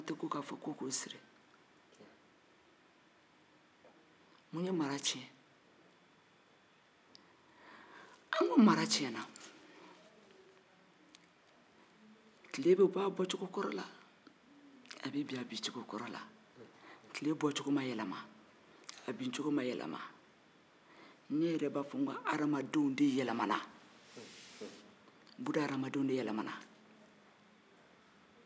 ne yɛrɛ de b'a fɔ ko hadamadenw de yɛlɛma na buna hadamadenw de yɛlɛmana n'o tɛ tile bɛ bɔ a bɔcogo kɔro la a bɛ bin a bincogo kɔrɔ la